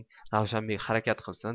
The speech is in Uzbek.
ravshanbek harakat qilsin